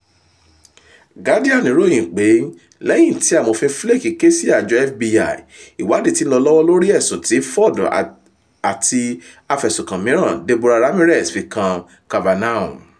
The Guardian ròyìn pé lẹ́yìn tí amòfin Flake ké sí àjọ FBI, ìwádìí ti ń lọ lọ́wọ́ lórí ẹ̀sùn tí Ford and afẹ̀sùkan mìíràn Deborah Ramírez fi kan Kavanaugh.